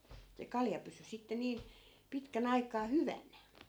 se kalja pysyi sitten niin pitkän aikaa hyvänä